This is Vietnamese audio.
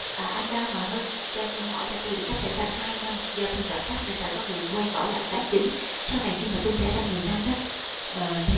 à anh ba hòa hưng cho tôi hỏi là tôi được cấp thẻ xanh hai năm do thu nhập thấp nên phải có người quen bảo lãnh tài chính sau này khi mà xin thẻ xanh mười năm đó thì